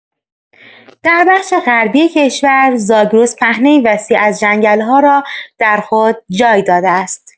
در بخش غربی کشور، زاگرس پهنه‌ای وسیع از جنگل‌ها را در خود جای داده است.